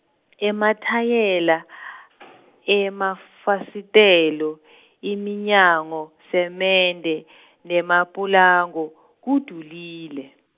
Emathayela , emafasitelo, iminyango, semende , nemapulango, kudulile.